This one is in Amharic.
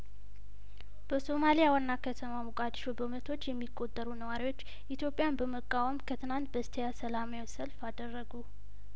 በሶማሊያ ዋና ከተማ ሞቃዲሾ በመቶዎች የሚቆጠሩ ነዋሪዎች ኢትዮጵያን በመቃወም ከትናንት በስቲያ ሰላማዊ ሰልፍ አደረጉ